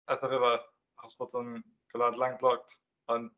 Eitha rhyfedd, achos bod o'n gwlad land locked ond...